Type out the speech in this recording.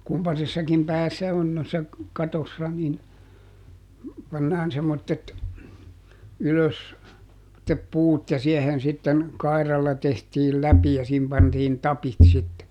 kumpaisessakin päässä on noissa katoissa niin pannaan semmoiset ylös semmoiset puut ja siihen sitten kairalla tehtiin läpi ja siihen pantiin tapit sitten